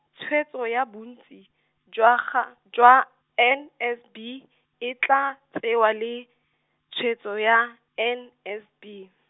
tshwetso ya bontsi, jwa ga, jwa N S B, e tla, tsewa le, tshwetso ya, N S B.